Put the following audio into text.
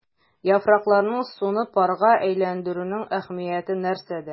Яфракларның суны парга әйләндерүнең әһәмияте нәрсәдә?